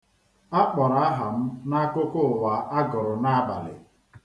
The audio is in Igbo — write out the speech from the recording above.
A kpọrọ aha m n'akụkọ ụwa a gụrụ n'abalị.